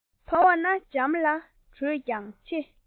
ཐོག ཏུ ཉལ བ ན འཇམ ལ དྲོད ཀྱང ཆེ